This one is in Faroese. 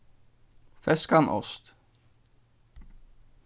feskan ost